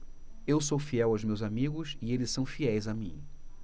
eu sou fiel aos meus amigos e eles são fiéis a mim